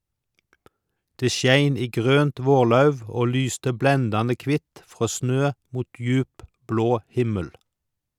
Det skein i grønt vårlauv og lyste blendande kvitt frå snø mot djup, blå himmel.